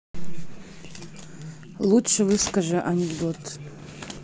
лучше выскажи анекдот